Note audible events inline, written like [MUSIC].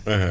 [HESITATION] [HESITATION]